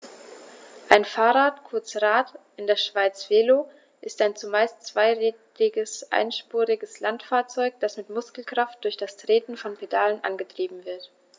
Ein Fahrrad, kurz Rad, in der Schweiz Velo, ist ein zumeist zweirädriges einspuriges Landfahrzeug, das mit Muskelkraft durch das Treten von Pedalen angetrieben wird.